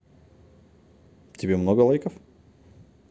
тебе много лайков